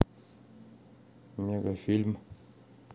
мега фильм